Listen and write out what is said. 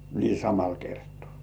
niin samalla kertaa